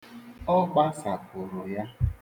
Ọ kpasapụrụ ya.